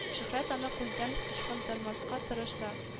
Шөһрәт аны күздән ычкындырмаска тырыша